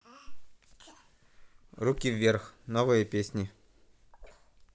руки вверх новые песни